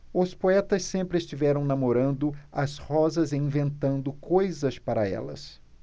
os poetas sempre estiveram namorando as rosas e inventando coisas para elas